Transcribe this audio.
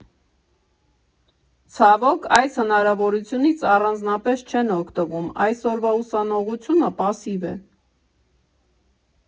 Ցավոք, այս հնարավորությունից առանձնապես չեն օգտվում, այսօրվա ուսանողությունը պասիվ է…